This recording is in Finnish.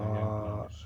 siellä Jemtlannissa